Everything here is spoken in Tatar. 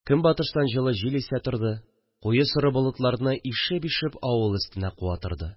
Көнбатыштан җылы җил исә торды, куе соры болытларны ишеп-ишеп авыл өстенә куа торды